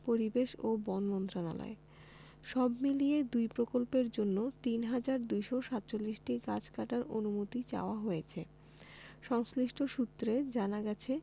পরিবেশ ও বন মন্ত্রণালয় সবমিলিয়ে দুই প্রকল্পের জন্য ৩হাজার ২৪৭টি গাছ কাটার অনুমতি চাওয়া হয়েছে সংশ্লিষ্ট সূত্রে জানা গেছে